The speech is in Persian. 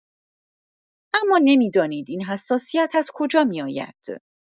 اما نمی‌دانید این حساسیت از کجا می‌آید.